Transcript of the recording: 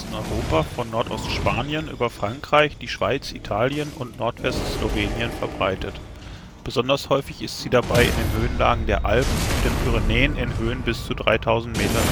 Europa von Nordostspanien über Frankreich, die Schweiz, Italien und Nordwest-Slowenien verbreitet. Besonders häufig ist sie dabei in den Höhenlagen der Alpen und der Pyrenäen in Höhen bis zu 3000 m